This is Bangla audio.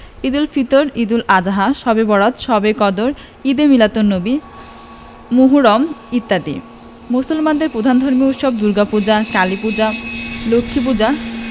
ঈদুল ফিত্ র ঈদুল আযহা শবে বরআত শবে কদর ঈদে মীলাদুননবী মুহররম ইত্যাদি মুসলমানদের প্রধান ধর্মীয় উৎসব দুর্গাপূজা কালীপূজা লক্ষ্মীপূজা